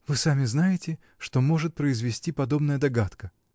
— Вы сами знаете, что может произвести подобная догадка.